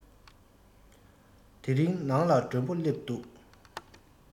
དེ རིང ནང ལ མགྲོན པོ སླེབས འདུག